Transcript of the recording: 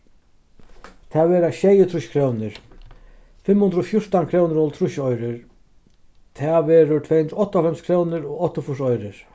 tað verða sjeyogtrýss krónur fimm hundrað og fjúrtan krónur og hálvtrýss oyrur tað verður tvey hundrað og áttaoghálvfems krónur og áttaogfýrs oyrur